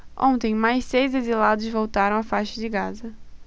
ontem mais seis exilados voltaram à faixa de gaza